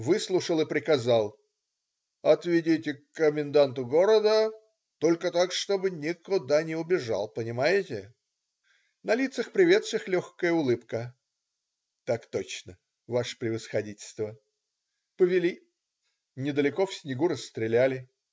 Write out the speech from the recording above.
Выслушал и приказал: "отведите к коменданту города, только так, чтоб никуда не убежал, понимаете?" На лицах приведших легкая улыбка: "так точно, ваше превосходительство". Повели. недалеко в снегу расстреляли.